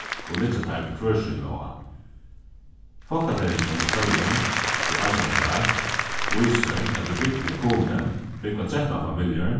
og liggja teir við hvør sína á fólkateljingin í føroyum í átjan hundrað og eitt vísir at í bygdini kunoy búgva trettan familjur